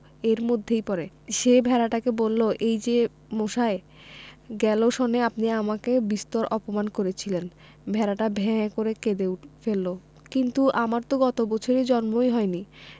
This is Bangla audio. এর মধ্যেই পড়ে সে ভেড়াটাকে বলল এই যে মশাই গেল সনে আপনি আমাকে বিস্তর অপমান করেছিলেন ভেড়াটা ভ্যাঁ করে কেঁদে ফেলল কিন্তু আমার তো গত বছর জন্মই হয়নি